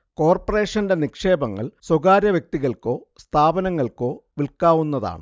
കോർപ്പറേഷന്റെ നിക്ഷേപങ്ങൾ സ്വകാര്യവ്യക്തികൾക്കോ സ്ഥാപനങ്ങൾക്കോ വിൽക്കാവുന്നതാണ്